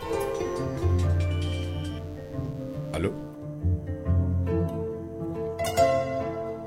Sanunɛgɛnin yo